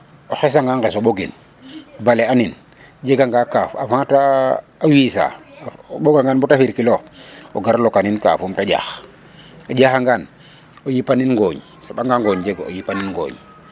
o xesanga nqes ɓogin bale'anin jeganga kaaf avant ta wiisaa o ɓogangaan bata firkuloox o gar lokanin kaafum ta ƴax ,a ƴaxangan o yipanin ngooñ a soɓangaa ngooñ jegee o yipanin ngooñ.